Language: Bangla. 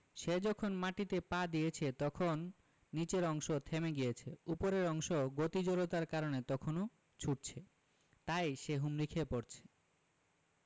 সে যখন মাটিতে পা দিয়েছে তখন নিচের অংশ থেমে গিয়েছে ওপরের অংশ গতি জড়তার কারণে তখনো ছুটছে তাই সে হুমড়ি খেয়ে পড়ছে